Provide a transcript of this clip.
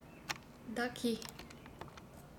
བདག གིས